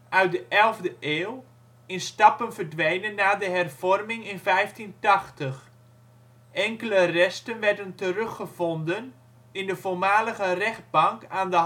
uit de elfde eeuw, in stappen verdwenen na de Hervorming in 1580. Enkele resten werden teruggevonden in de voormalige rechtbank aan de